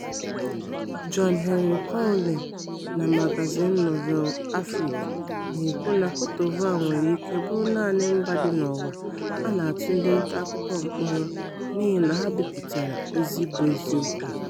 John Henry Kwahulé na magazin Nouvelle Afrique na-ekwu na Côte d'Ivoire nwere ike bụrụ naanị mba dị n'ụwa a na-atụ ndị ntaakụkọ mkpọrọ n'ịhị na ha bipụtara ozi bụ́ eziokwu.